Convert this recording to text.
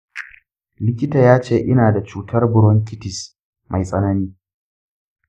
likita ya ce ina da cutar bronkitis mai tsanani.